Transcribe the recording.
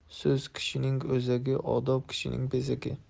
so'z kishining o'zagi odob kishining bezagi